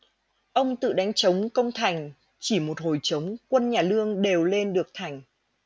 ông tự đánh trống công thành chỉ một hồi trống quân nhà lương đều lên được thành